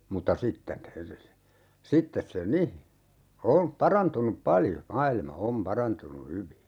mutta sitten sitten se niin on parantunut paljon maailma on parantunut hyvin